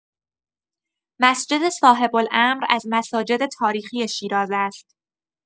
مسجد صاحب‌الامر از مساجد تاریخی شیراز است.